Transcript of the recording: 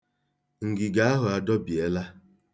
Ngige ahụ adọbiela.